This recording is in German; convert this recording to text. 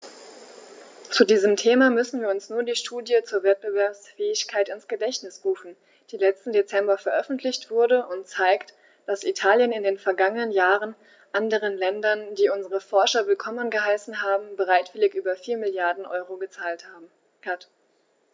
Zu diesem Thema müssen wir uns nur die Studie zur Wettbewerbsfähigkeit ins Gedächtnis rufen, die letzten Dezember veröffentlicht wurde und zeigt, dass Italien in den vergangenen Jahren anderen Ländern, die unsere Forscher willkommen geheißen haben, bereitwillig über 4 Mrd. EUR gezahlt hat.